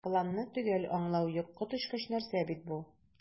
"планны төгәл аңлау юк, коточкыч нәрсә бит бу!"